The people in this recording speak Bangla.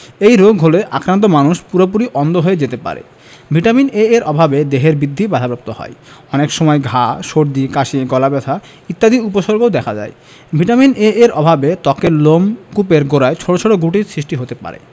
এই রোগ হলে আক্রান্ত মানুষ পুরোপুরি অন্ধ হয়ে যেতে পারে ভিটামিন A এর অভাবে দেহের বৃদ্ধি বাধাপ্রাপ্ত হয় অনেক সময় ঘা সর্দি কাশি গলাব্যথা ইত্যাদি উপসর্গও দেখা দেয় ভিটামিন A এর অভাবে ত্বকের লোমকূপের গোড়ায় ছোট ছোট গুটির সৃষ্টি হতে পারে